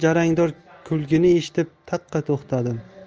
jarangdor kulgini eshitib taqqa to'xtadim